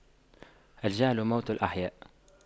الجهل موت الأحياء